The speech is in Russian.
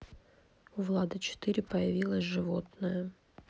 у влада четыре появилось животное